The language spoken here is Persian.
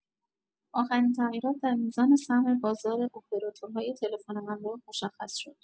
آخرین تغییرات در میزان سهم بازار اپراتورهای تلفن همراه مشخص شد.